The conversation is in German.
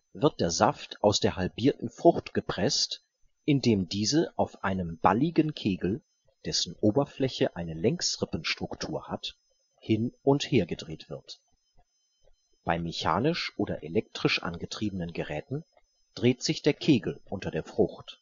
wird der Saft aus der halbierten Frucht gepresst, indem diese auf einem balligen Kegel, dessen Oberfläche eine Längsrippenstruktur hat, hin - und hergedreht wird. Bei mechanisch oder elektrisch angetriebenen Geräten dreht sich der Kegel unter der Frucht